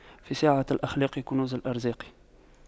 في سعة الأخلاق كنوز الأرزاق